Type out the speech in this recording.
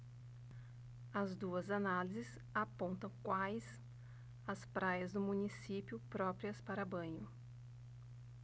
as duas análises apontam quais as praias do município próprias para banho